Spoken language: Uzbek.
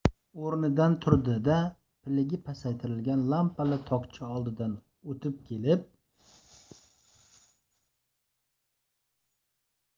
o'rnidan turdi da piligi pasaytirilgan lampali tokcha oldidan o'tib kelib